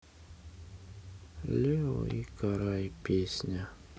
лео и карай песня